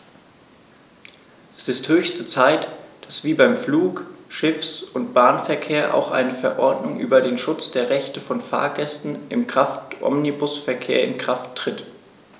Es ist höchste Zeit, dass wie beim Flug-, Schiffs- und Bahnverkehr auch eine Verordnung über den Schutz der Rechte von Fahrgästen im Kraftomnibusverkehr in Kraft tritt.